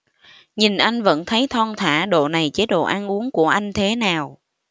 nhìn anh vẫn thấy thon thả độ này chế độ ăn uống của anh thế nào